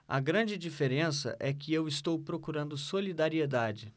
a grande diferença é que eu estou procurando solidariedade